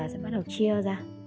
và sẽ bắt đầu chia ra